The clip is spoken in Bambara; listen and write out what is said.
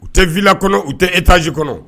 U tɛ vi kɔnɔ u tɛ etaz kɔnɔ